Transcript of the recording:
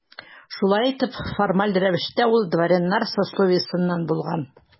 Шулай итеп, формаль рәвештә ул дворяннар сословиесеннән булган.